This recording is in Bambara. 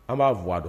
An b'a buwa dɔn